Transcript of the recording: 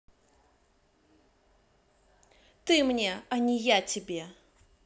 ты мне а не я тебе